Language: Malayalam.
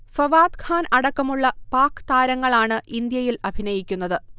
ഫവാദ്ഖാൻ അടക്കമുള്ള പാക് താരങ്ങളാണ് ഇന്ത്യയിൽ അഭിനയിക്കുന്നത്